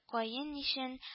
Каенишен